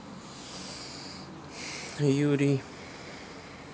юрий